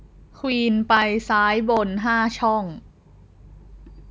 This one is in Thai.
ควีนไปซ้ายบนห้าช่อง